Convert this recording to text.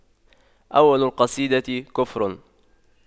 أول القصيدة كفر